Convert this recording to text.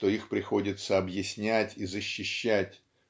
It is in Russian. что их приходится объяснять и защищать